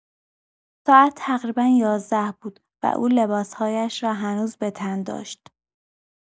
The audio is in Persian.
ساعت تقریبا یازده بود و او لباس‌هایش را هنوز به تن داشت.